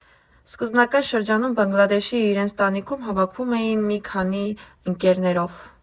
Սկզբնական շրջանում Բանգլադեշի իրենց տանիքում հավաքվում էին մի քանի ընկերներով։